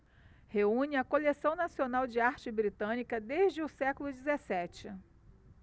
reúne a coleção nacional de arte britânica desde o século dezessete